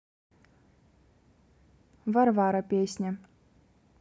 варвара песня